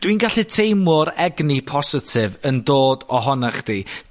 Dwi'n gallu teimlo'r egni positif yn dod ohona chdi.